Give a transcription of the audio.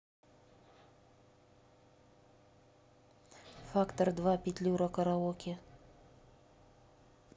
фактор два петлюра караоке